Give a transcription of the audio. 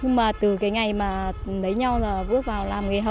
nhưng mà từ cái ngày mà lấy nhau là bước vào làm nghề hồng